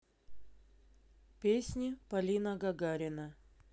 песни полина гагарина